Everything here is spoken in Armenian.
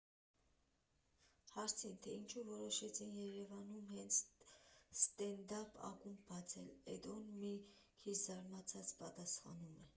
Հարցին, թե ինչու որոշեցին Երևանում հենց ստենդափ ակումբ բացել, Էդոն մի քիչ զարմացած պատասխանում է։